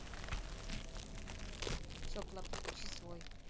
теплая подключи свой